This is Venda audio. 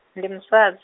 ndi musadz-.